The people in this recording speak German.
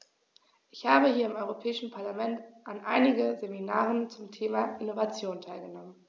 Ich habe hier im Europäischen Parlament an einigen Seminaren zum Thema "Innovation" teilgenommen.